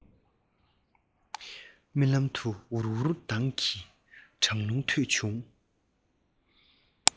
རྨི ལམ དུ འུར འུར ལྡང བའི གྲང རླུང ཐོས བྱུང